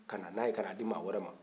ka na n'a ye ka n'a di maa wɛrɛ ma